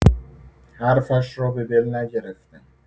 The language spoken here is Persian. حرفش را به دل نگرفتم.